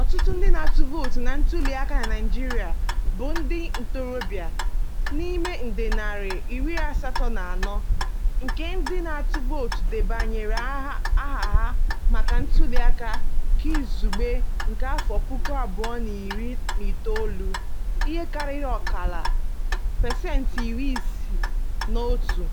Ọtụtụ ndị na-atụ vootu na ntụliaka na Naịjirịa bụ ndị ntorobịa. N'ime nde narị iri asatọ na anọ, nke ndị na-atụ vootu debanyere aha ha maka Ntụliaka Keizugbe nke afọ puku abụọ na iri na itoolu, ihe karịrị ọkara — pasentị iri isi na otu—